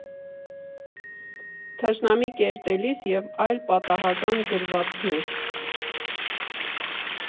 ԹՇՆԱՄԻ ԿԵՐՏԵԼԻՍ ԵՎ ԱՅԼ ՊԱՏԱՀԱԿԱՆ ԳՐՎԱԾՔՆԵՐ։